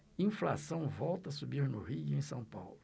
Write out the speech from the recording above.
inflação volta a subir no rio e em são paulo